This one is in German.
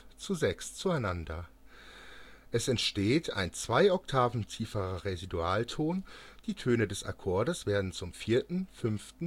4:5:6 zueinander. Es entsteht ein 2 Oktaven tieferer Residualton, die Töne des Akkords werden zum 4., 5.